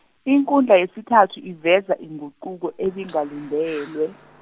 inkundla yesithathu iveza inguquko ebingalindelwe.